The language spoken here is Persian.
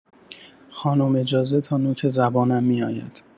خانم اجازه تا نوک زبانم می‌آید.